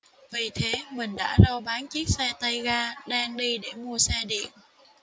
vì thế mình đã rao bán chiếc xe tay ga đang đi để mua xe điện